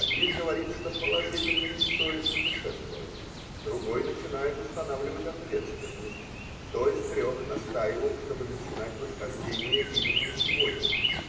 один говорит, что положительно не стоит путешествовать, другой начинает устанавливать ответственность -- кто из трех настаивал, чтобы начинать восхождение именно сегодня?